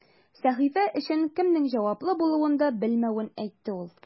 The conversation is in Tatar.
Сәхифә өчен кемнең җаваплы булуын да белмәвен әйтте ул.